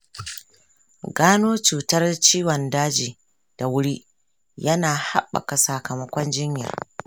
gano cutar ciwon daji da wuri yana habaka sakamakon jinyar.